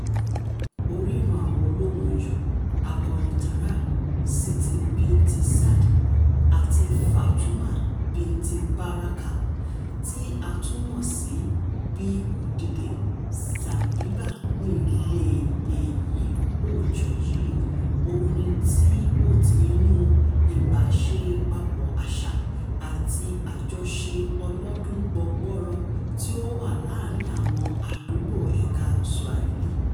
Orírun àwọn olóhùn-iyò akọrin taarab, Siti Binti Saad àti Fatuma Binti Baraka, tí a tún mọ̀ sí Bi. Kidude, Zanzibar ni ilé èyí-ò-jọ̀yìí orin tí ó ti inúu ìbàṣepapọ̀ àṣà àti àjọṣe ọlọ́dún gbọgbọrọ tí ó wà láàárín àwọn àdúgbò ẹ̀ka Swahili.